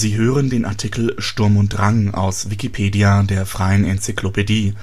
hören den Artikel Sturm und Drang, aus Wikipedia, der freien Enzyklopädie